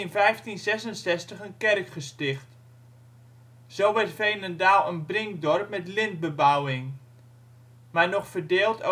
werd in 1566 een kerk gesticht. Zo werd Veenendaal een brinkdorp met lintbebouwing, maar nog verdeeld